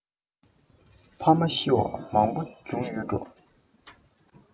ཕ མ ཤི བ མང པོ བྱུང ཡོད འགྲོ